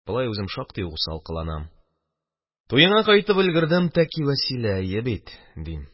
Болай үзем шактый ук усал кыланам: – Туеңа кайтып өлгердем тәки, Вәсилә, әйе бит, – дим.